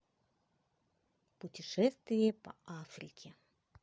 путешествие по африке